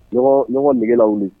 Ɲɔgɔɔn ɲɔgɔn nege lawuli